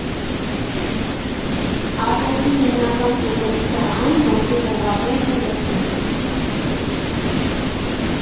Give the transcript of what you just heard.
Արվեստի հիմնական կետերից է այն, որ դու վերապրես հերոսին։